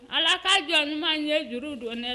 Ala k ka jɔ ɲuman ye juru donɛ